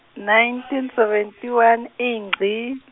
nineteen seventy one iNgci.